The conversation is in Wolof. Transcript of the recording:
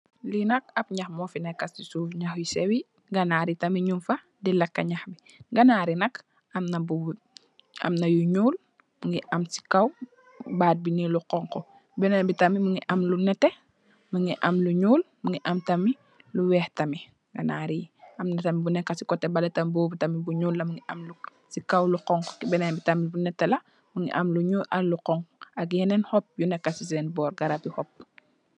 Li nak app nyah mofi neka sey suuf nyah yu seewi ganarri tamit nyung fa d leka nyah bi ganarri nak am na bu am na yu nyuul Mungi am sey kaw bat bi ni lu hunhu benen tam Mungi am lu neteh Mungi am lu nyuul Mungi am tamit lu weih tamit ganarri am na tamit bu neka sey koteh beleh tamit bobu tamit bu nyuul la Mungi am sey kaw lu hunhu benen bi tam bu neteh la Mungi am lu nyuul ak lu hunhu ak yenen hopp yu neka sey sen borr garabi hopp.